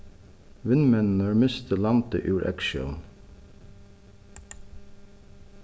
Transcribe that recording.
vinmenninir mistu landið úr eygsjón